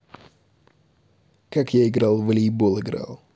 как я играл в волейбол играл